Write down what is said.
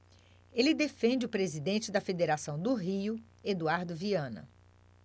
ele defende o presidente da federação do rio eduardo viana